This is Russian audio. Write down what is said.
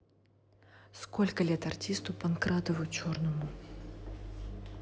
сколько лет артисту панкратову черному